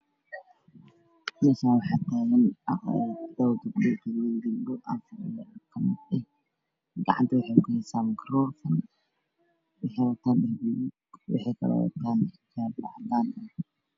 Meeshani waxaa taagan caganta waxay kuhaysa magaroofan